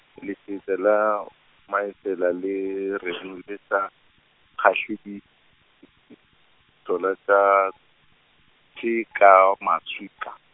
Lesetša la, Maesela le reng le sa, kgahle dihlola tša, tše ka maswika.